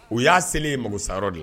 O ya selen ye mago sa yɔrɔ de